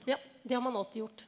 ja det har man alltid gjort.